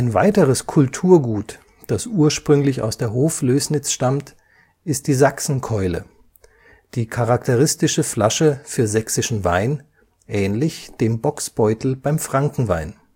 weiteres Kulturgut, das ursprünglich aus der Hoflößnitz stammt, ist die Sachsenkeule, die charakteristische Flasche für sächsischen Wein, ähnlich dem Bocksbeutel beim Frankenwein